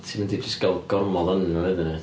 Ti mynd i jyst gael gormod ohonyn nhw wedyn yn dwyt.